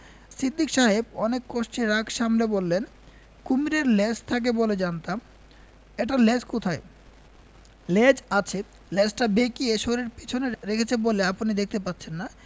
সিদ্দিক সাহেব অনেক কষ্টে রাগ সামলে বললেন কুমীরের লেজ থাকে বলে জানতাম এটার লেজ কোথায় লেজ আছে লেজটা বেঁকিয়ে শরীরের পেছনে রেখেছে বলে আপনি দেখতে পাচ্ছেন না